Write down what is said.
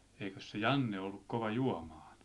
eikös se Janne ollut kova juomaan